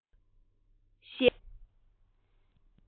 གཞལ དགོས པ ཨེ རེད